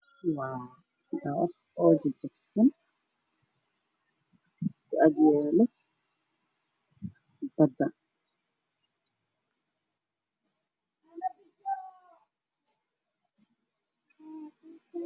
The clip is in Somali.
Waa guri gudinsan midabkiisu yahay caddaan waana daba ka hooseeya bad